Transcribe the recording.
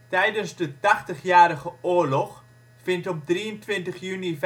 Tijdens de Tachtigjarige Oorlog vindt op 23 juni 1585 de